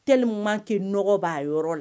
Tellement que nɔgɔ b'a yɔrɔ la